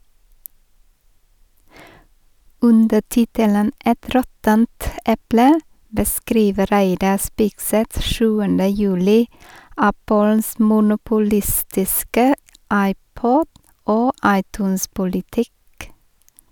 Under tittelen «Et råttent eple» beskriver Reidar Spigseth 7. juli Apples monopolistiske iPod- og iTunes-politikk.